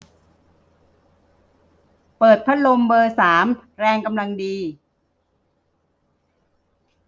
เปิดพัดลมเบอร์สามแรงกำลังดี